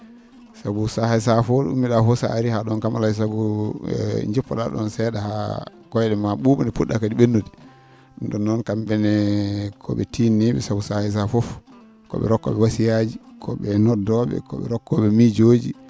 sabu sahaa e sahaa fof to ummi?aa fof so a arii haa ?oon kam alaa e sago jippo?aa ?oon see?a haa koy?ema ?uu?a nde pu??o?o kadi ?ennude ?um ?oon noon kam?e ne ko ?e tiinnii?e sabu sahaa e sahaa fof ko ?e rokkoo?e wasiyaaji ko ?e noddoo?e ko ?e rokkoo?e miijooji